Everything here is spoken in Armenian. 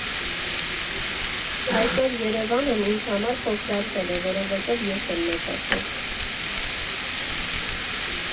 Այսօր Երևանն ինձ համար փոքրացել է, որովհետև ես եմ մեծացել։